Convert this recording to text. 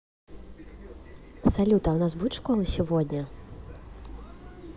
салют а у нас будет школа сегодня